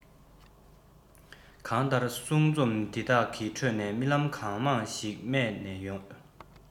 གང ལྟར གསུང རྩོམ འདི དག གི ཁྲོད ནས རྨི ལམ གང མང ཞིག རྨས ནས ཡོང